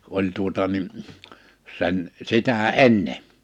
oli tuota niin sen sitä ennen